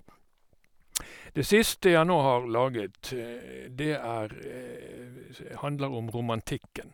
Det siste jeg nå har laget, det er handler om romantikken.